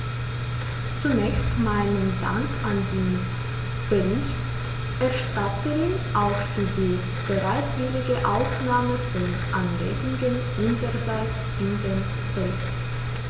Zunächst meinen Dank an die Berichterstatterin, auch für die bereitwillige Aufnahme von Anregungen unsererseits in den Bericht.